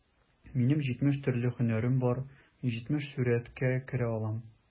Минем җитмеш төрле һөнәрем бар, җитмеш сурәткә керә алам...